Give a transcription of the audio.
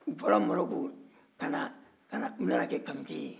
u bɔra marɔku u nana kɛ kamite ye